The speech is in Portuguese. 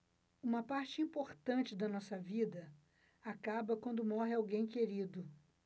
uma parte importante da nossa vida acaba quando morre alguém querido